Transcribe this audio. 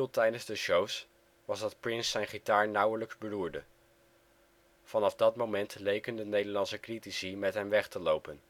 tijdens de shows was dat Prince zijn gitaar nauwelijks beroerde. Vanaf dat moment leken de Nederlandse critici met hem weg te lopen